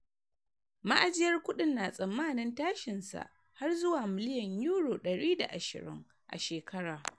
Ma’ajiyar kudin na tsammanin tashin sa har zuwa miliyan £120 a shekara.